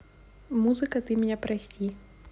музыка ты меня прости